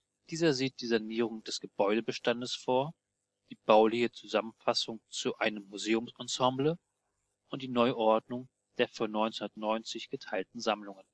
Dieser sieht die Sanierung des Gebäudebestandes vor, die bauliche Zusammenfassung zu einem Museumsensemble und die Neuordnung der vor 1990 geteilten Sammlungen